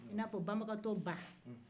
i n'a fɔ banbagatɔ ba